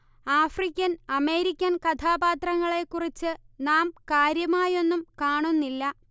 African American കഥാപാത്രങ്ങളെക്കുറിച്ച് നാം കാര്യമായൊന്നും കാണുന്നില്ല